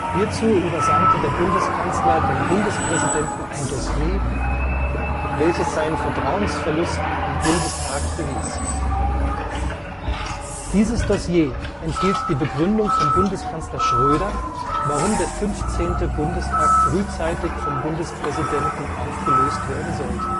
Hierzu übersandte der Bundeskanzler dem Bundespräsidenten ein Dossier, welches seinen Vertrauensverlust im Bundestag bewies. Dieses Dossier enthielt die Begründung von Bundeskanzler Schröder, warum der 15. Bundestag frühzeitig vom Bundespräsidenten aufgelöst werden sollte